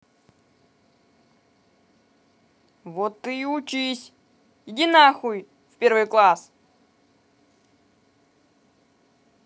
вот ты учись иди нахуй в первый класс